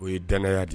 O ye dananaya de